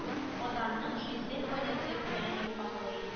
Аданның жизель балеты белән йомгаглый